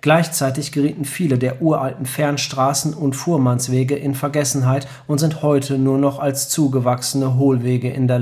Gleichzeitig gerieten viele der uralten Fernstraßen und Fuhrmannswege in Vergessenheit und sind heute nur noch als zugewachsene Hohlwege in der